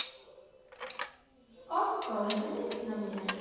okko женись на мне